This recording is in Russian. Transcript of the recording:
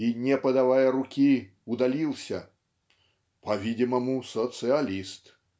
И, не подавая руки, удалился. По-видимому, социалист".